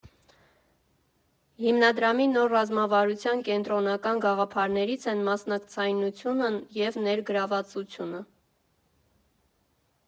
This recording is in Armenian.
Հիմնադրամի նոր ռազմավարության կենտրոնական գաղափարներից են մասնակցայնությունն ու ներգրավածությունը։